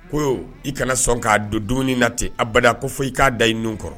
Ko i kana sɔn k'a don dumuni na ten abada ko fɔ i k'a da i nun kɔrɔ